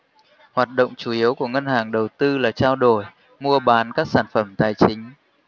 hoạt động chủ yếu của ngân hàng đầu tư là trao đổi mua bán các sản phẩm tài chính